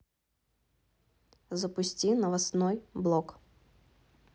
запусти новостной блок